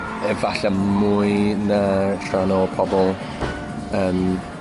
Efalle mwy na rhan o pobol yym